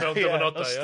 Mewn dyfynodau ia?